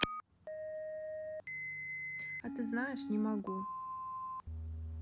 а ты знаешь не могу